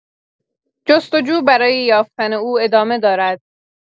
جست‌جو برای یافتن او ادامه دارد